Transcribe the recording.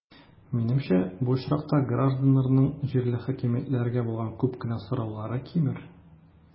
Минемчә, бу очракта гражданнарның җирле хакимиятләргә булган күп кенә сораулары кимер.